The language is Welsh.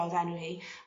...o'dd enw hi